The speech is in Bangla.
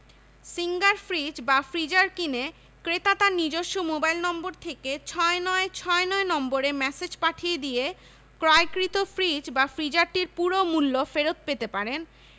সিঙ্গার ফ্রিজ ফ্রিজার কিনে ক্রেতা তার নিজস্ব মোবাইল নম্বর থেকে ৬৯৬৯ নম্বরে ম্যাসেজ পাঠিয়ে দিয়ে ক্রয়কৃত ফ্রিজ ফ্রিজারটির পুরো মূল্য ফেরত পেতে পারেন